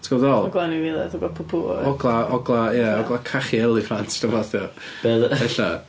Tibod be dwi'n feddwl?... Ogla anifeiliaid efo pw-pw... Ogla ogla ia, ogla cachu eliffant 'di o ella?